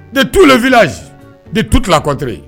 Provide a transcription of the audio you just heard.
De tu le vla de tu tila kɔtere